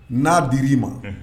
N'a dir'i ma, unhun